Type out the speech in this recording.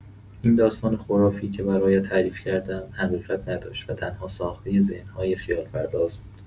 این داستان خرافی که برایت تعریف کردم، حقیقت نداشت و تنها ساختۀ ذهن‌های خیال‌پرداز بود.